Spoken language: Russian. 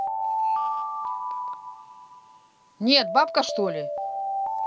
нет бабка что ли